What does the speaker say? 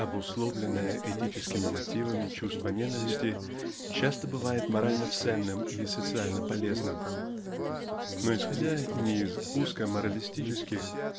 обусловленное этическими мотивами чувство ненависти часто бывает морально ценным и социально полезным. Но исходя не из узко-моралистических